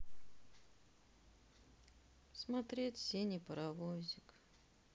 смотреть синий паровозик